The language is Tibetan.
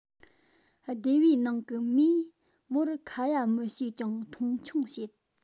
སྡེ བའི ནང གི མིས མོར ཁ ཡ མི བྱེད ཅིང མཐོང ཆུང བྱེད